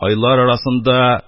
Йлар арасында